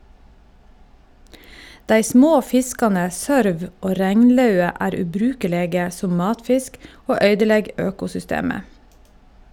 Dei små fiskane sørv og regnlaue er ubrukelege som matfisk og øydelegg økosystemet.